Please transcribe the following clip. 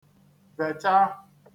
vècha